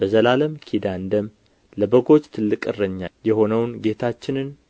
በዘላለም ኪዳን ደም ለበጎች ትልቅ እረኛ የሆነውን ጌታችንን